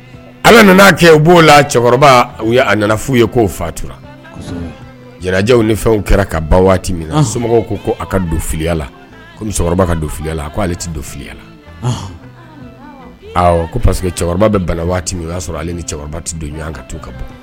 Ala nana'a kɛ u b'o la cɛkɔrɔba a nana'u ye' fatura jw ni fɛnw kɛra ka ba waati min so ko ko a ka don filiyala ko musokɔrɔba ka don filiyala ko ale tɛ don filiyala ko parce que cɛkɔrɔba bɛ bala waati min o y'a sɔrɔ aleale ni cɛkɔrɔba tɛ don ɲɔgɔn kan ka taa u ka bon